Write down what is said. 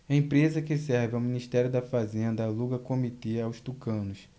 empresa que serve ao ministério da fazenda aluga comitê aos tucanos